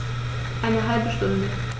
Eine halbe Stunde